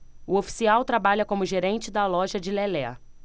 o oficial trabalha como gerente da loja de lelé